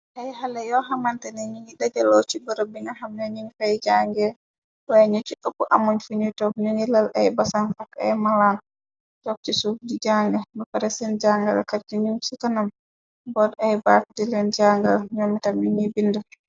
Xeyxale yoo xamantne ñu ni dajaloo ci borab bi nga xamna ñiñ fay jangee waaye ñë ci ëpp amuñ fi ñuy tog ñu ngi lal ay basan fak ay malaan jog ci suuf gi jàng bapare seen jangarakat yi ñu ci konam boot ay baak di leen jangal ñoo mitam yiñiy bind.